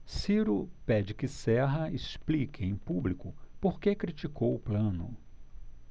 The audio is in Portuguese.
ciro pede que serra explique em público por que criticou plano